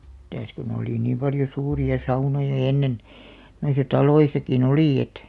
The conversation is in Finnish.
mitäs kun oli niin paljon suuria saunoja ennen noissa taloissakin oli että